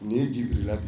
Nin'i ye jib la kɛ